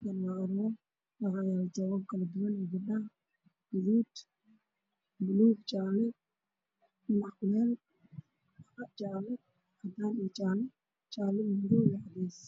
Waa carwo waxaa ii muuqda saakooyin dumar